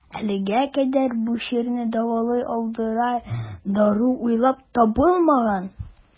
Әлегә кадәр бу чирне дәвалый алырдай дару уйлап табылмаган.